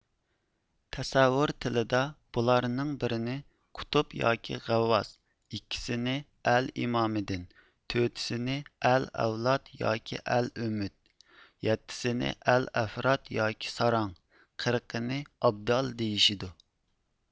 تەسەۋۋۇر تىلىدا بۇلارنىڭ بىرىنى قۇتۇب ياكى غەۋۋاس ئىككىسىنى ئەل ئىمامىدىن تۆتىسىنى ئەل ئەۋلاد ياكى ئەل ئۈمۈد يەتتىسىنى ئەل ئەفراد ياكى ساراڭ قىرىقىنى ئابدال دېيىشىدۇ